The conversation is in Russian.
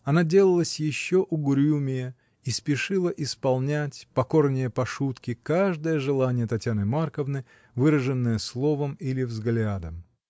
Она делалась еще угрюмее и спешила исполнять, покорнее Пашутки, каждое желание Татьяны Марковны, выраженное словом или взглядом.